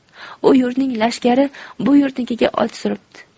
u yurtning lashkari bu yurtnikiga ot suribdi